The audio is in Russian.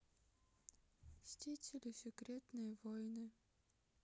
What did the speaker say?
мстители секретные войны